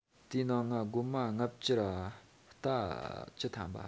དེའི ནང ང རྒོད མ བཅོ ལྔ ར རྟ བཅུ ཐམ པ